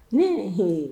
Ne h